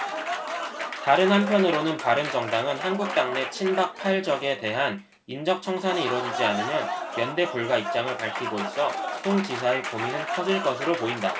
다른 한편으로는 바른정당은 한국당내 친박 팔 적에 대한 인적청산이 이뤄지지 않으면 연대 불가 입장을 밝히고 있어 홍 지사의 고민은 커질 것으로 보인다